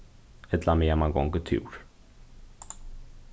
ella meðan mann gongur túr